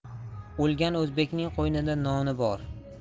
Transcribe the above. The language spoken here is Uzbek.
o'lgan o'zbekning qo'ynida noni bor